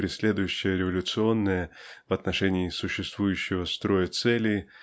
преследующая революционные в отношении существующего строя цели